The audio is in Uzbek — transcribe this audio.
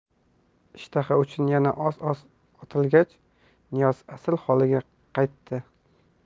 ishtaha uchun yana oz oz otilgach niyoz asl holiga qaytdi